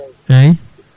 eyyi